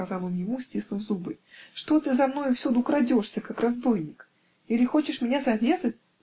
-- сказал он ему, стиснув зубы, -- что ты за мною всюду крадешься, как разбойник? или хочешь меня зарезать?